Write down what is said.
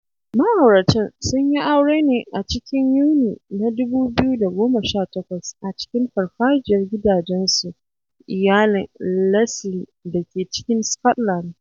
Ma'auratan sun yi aure ne a cikin Yuni na 2018 a cikin farfajiyar gidajen su iyalin Leslie da ke cikin Scotland.